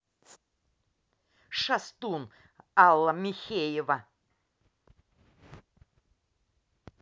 шастун алла михеева